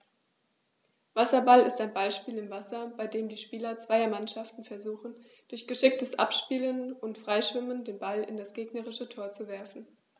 Wasserball ist ein Ballspiel im Wasser, bei dem die Spieler zweier Mannschaften versuchen, durch geschicktes Abspielen und Freischwimmen den Ball in das gegnerische Tor zu werfen.